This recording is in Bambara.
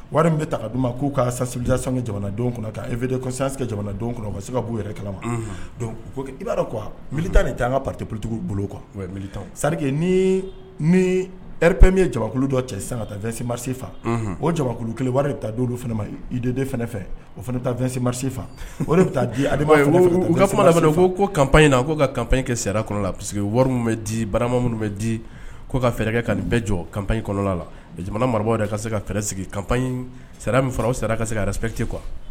Wari min bɛ ta k'' sa sanke jamanadenw kɔnɔ' eeke jamanadenw kɔnɔ a ma se ka b'u yɛrɛ kala don i'a dɔn mibili tan ni tɛ an ka pate politigiw bolo sarike ni ni rep min ye jabakulu dɔ cɛ sisan ka taamasi faa o jakulu kelen wari bɛ taama iden fɛ o fana taamasefa o de bɛ taa di u ka fo ko kap in na k' kap in kɛ saya kɔnɔ pa parce que wari bɛ di bara minnu bɛ di' ka fɛɛrɛkɛ ka nin bɛɛ jɔ kapyi kɔnɔ la jamana mara yɛrɛ ka se kaɛrɛ sigi sara min fara sara ka se apti qu